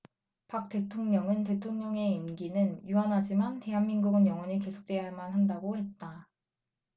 박 대통령은 대통령의 임기는 유한하지만 대한민국은 영원히 계속돼야만 한다고도 했다